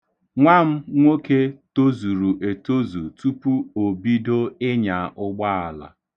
Nwa m nwoke tozuru etozu tupu o bido inya ụgbaala.